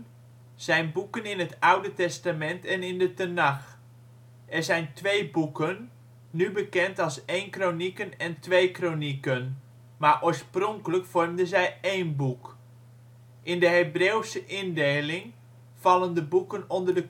zijn boeken in het Oude Testament en in de Tenach. Er zijn 2 boeken, nu bekend als 1 Kronieken en 2 Kronieken, maar oorspronkelijk vormden zij één boek. In de Hebreeuwse indeling vallen de boeken onder de